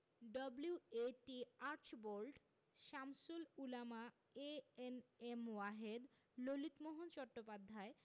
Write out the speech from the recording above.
W A T. Archbold Shamsul Ulama A N M Wahed Lalitmohan Chattopadhyay